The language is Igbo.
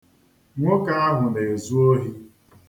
Nwoke ahụ na-ezu ohi.